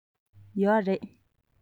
ཡོད རེད